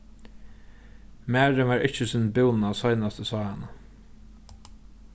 marin var ikki í sínum búna seinast eg sá hana